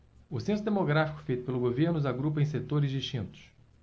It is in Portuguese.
o censo demográfico feito pelo governo os agrupa em setores distintos